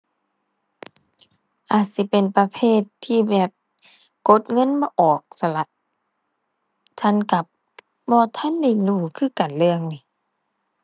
อาจสิเป็นประเภทที่แบบกดเงินบ่ออกซั้นล่ะ ฉันก็บ่ทันได้รู้คือกันเรื่องนี้